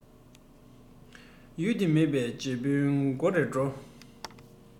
ཡུལ སྡེ མེད པའི རྗེ དཔོན དགོད རེ བྲོ